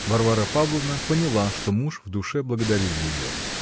Варвара Павловна поняла, что муж в душе благодарил ее.